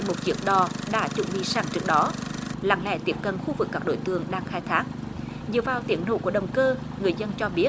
một chiếc đò đã chuẩn bị sẵn trước đó lặng lẽ tiếp cận khu vực các đối tượng đã khai thác dựa vào tiến độ của động cơ người dân cho biết